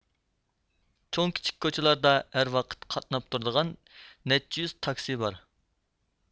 چوڭ كىچىك كوچىلاردا ھەر ۋاقىت قاتناپ تۇرىدىغان نەچچە يۈز تاكسى بار